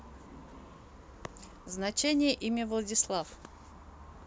значение имя владислав